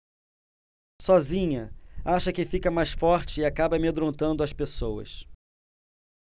sozinha acha que fica mais forte e acaba amedrontando as pessoas